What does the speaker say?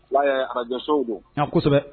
Wala arajsow bon nka kosɛbɛ